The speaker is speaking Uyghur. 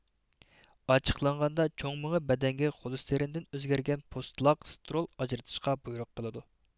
ئاچچىقلانغاندا چوڭ مېڭە بەدەنگە خولېستېرىندىن ئۆزگەرگەن پوستلاق سترول ئاجرىتىشقا بۇيرۇق قىلىدۇ